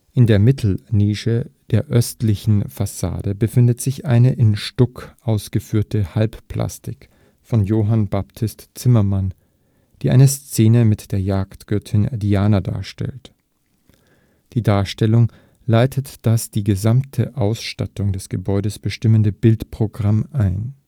In der Mittelnische der östlichen Fassade befindet sich eine in Stuck ausgeführte Halbplastik von Johann Baptist Zimmermann, die eine Szene mit der Jagdgöttin Diana darstellt. Die Darstellung leitet das die gesamte Ausstattung des Gebäudes bestimmende Bildprogramm ein